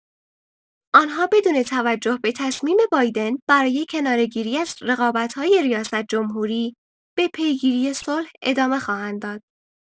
آنها بدون توجه به تصمیم بایدن برای کناره‌گیری از رقابت‌های ریاست‌جمهوری، به پیگیری صلح ادامه خواهند داد.